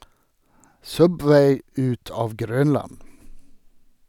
Subway ut av Grønland!